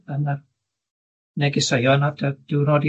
###yn y negeseuon at y diwrnod